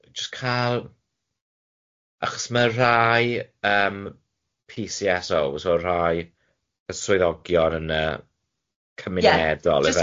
Jyst ca'l achos ma' rai yym Pi Si Es Ows o rai swyddogion yn yy cymunedol ife?